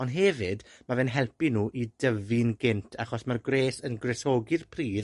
On' hefyd ma' fe'n helpu nw i dyfu'n gynt, achos ma'r gwres yn gwresogi'r pridd,